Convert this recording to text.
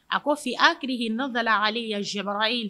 A ko f''riki n nɔ ka ale yan zebaa ye